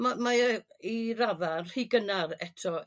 m- mae o i radaa'n rhy gynnar eto